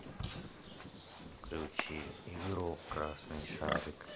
включи игру красный шарик